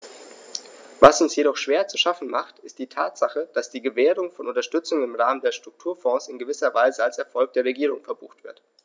Was uns jedoch schwer zu schaffen macht, ist die Tatsache, dass die Gewährung von Unterstützung im Rahmen der Strukturfonds in gewisser Weise als Erfolg der Regierung verbucht wird.